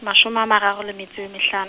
mashome a mararo le metso e mehlano.